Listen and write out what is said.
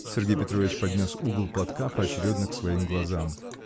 (Сергей Петрович поднес угол платка поочередно к своим глазам.